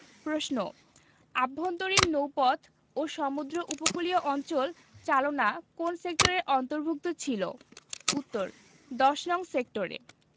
প্রশ্ন আভ্যন্তরীণ নৌপথ ও সমুদ্র উপকূলীয় অঞ্চল চালনা কোন সেক্টরের অন্তভুর্ক্ত ছিল উত্তরঃ ১০নং সেক্টরে